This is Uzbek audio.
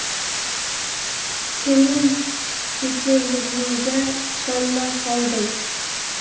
sening chechenligingga ishonmay qoldim